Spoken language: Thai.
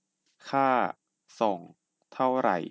ค่าส่งเท่าไหร่